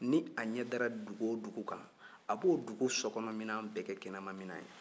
ni ɲɛ dara dugu wo dugu kan a b'o dugu sokɔnɔ minan bɛɛ kɛ kɛnɛma minan ye